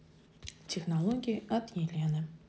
технологии от елены